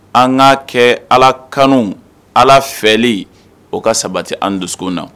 An ka'a kɛ ala kan ala fɛ o ka sabati an dusu na